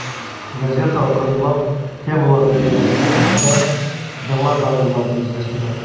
Газета акрынлап темалар даирәсен киңәйтә, яңа жанрларны үзләштерә.